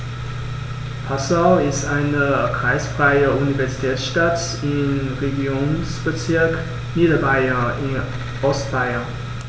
Passau ist eine kreisfreie Universitätsstadt im Regierungsbezirk Niederbayern in Ostbayern.